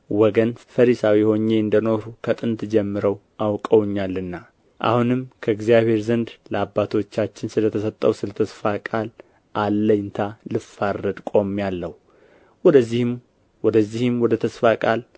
ወገን ፈሪሳዊ ሆኜ እንደኖርሁ ከጥንት ጀምረው አውቀውኛልና አሁንም ከእግዚአብሔር ዘንድ ለአባቶቻችን ስለ ተሰጠው ስለ ተስፋ ቃል አለኝታ ልፋረድ ቆሜአለሁ ወደዚህም ወደ ተስፋ ቃል